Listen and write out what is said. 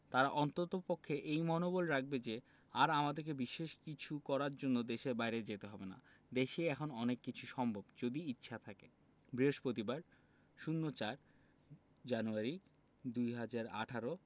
তারা অন্ততপক্ষে এই মনোবল রাখবে যে আর আমাদেরকে বিশেষ কিছু করার জন্য দেশের বাইরে যেতে হবে না দেশেই এখন অনেক কিছু সম্ভব যদি ইচ্ছা থাকে বৃহস্পতিবার ০৪ জানুয়ারি ২০১৮